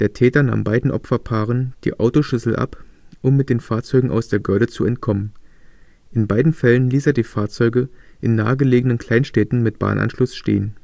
Der Täter nahm beiden Opferpaaren die Autoschlüssel ab, um mit den Fahrzeugen aus der Göhrde zu entkommen. In beiden Fällen ließ er die Fahrzeuge in nahegelegenen Kleinstädten mit Bahnanschluss stehen